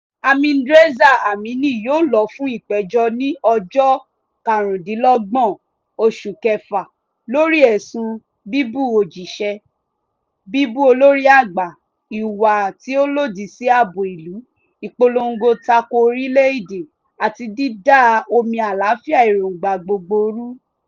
Hamidreza Amini yóò lọ fún ìpẹ̀jọ́ ní 25 oṣù Kẹfà lórí ẹ̀sùn "bíbú òjíṣẹ́", "bíbú olórí àgbà", "híhu ìwà tí ó lòdì sí ààbò ìlú", "ìpolongo tako orílẹ̀ èdè", àti "dída omi àlàáfíà èróńgbà gbogbo rú".